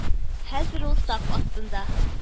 Хәзер ул сак астында